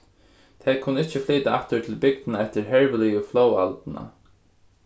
tey kunnu ikki flyta aftur til bygdina eftir herviligu flóðalduna